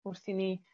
Wrth i ni